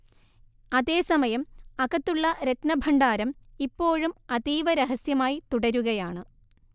അതേസമയം, അകത്തുള്ള രത്നഭണ്ഡാരം ഇപ്പോഴും അതീവ രഹസ്യമായി തുടരുകയാണ്